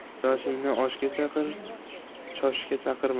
qarindoshingni oshga chaqir choshga chaqirma